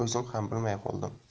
o'zim ham bilmay qoldim